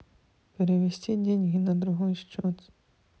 перевести деньги на другой счет